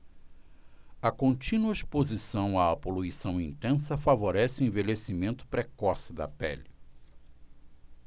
a contínua exposição à poluição intensa favorece o envelhecimento precoce da pele